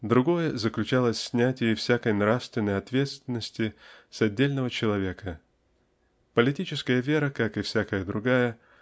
Другое заключалось в снятии всякой нравственной ответственности с отдельного человека. Политическая вера как и всякая другая